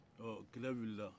ayiwa kɛlɛ wulila